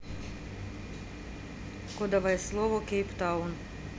кодовое слово кейптаун